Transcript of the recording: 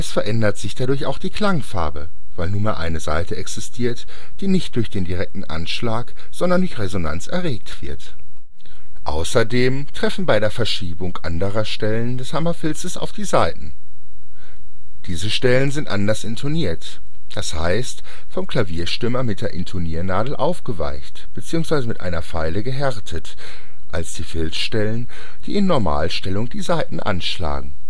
verändert sich dadurch auch die Klangfarbe, weil nunmehr eine Saite existiert, die nicht durch direkten Anschlag, sondern durch Resonanz erregt wird. Außerdem treffen bei der Verschiebung andere Stellen des Hammerfilzes auf die Saiten. Diese Stellen sind anders intoniert (d. h. vom Klavierstimmer mit der Intoniernadel aufgeweicht bzw. mit einer Feile gehärtet) als die Filzstellen, die in Normalstellung die Saiten anschlagen